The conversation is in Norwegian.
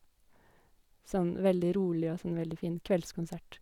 Sånn veldig rolig og sånn veldig fin kveldskonsert.